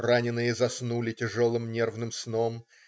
Раненые заснули тяжелым, нервным сном.